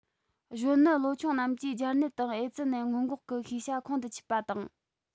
གཞོན ནུ ལོ ཆུང རྣམས ཀྱིས སྦྱར ནད དང ཨེ ཙི ནད སྔོན འགོག གི ཤེས བྱ ཁོང དུ ཆུད པ དང